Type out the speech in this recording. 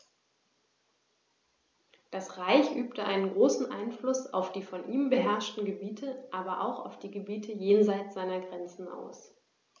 Das Reich übte einen großen Einfluss auf die von ihm beherrschten Gebiete, aber auch auf die Gebiete jenseits seiner Grenzen aus.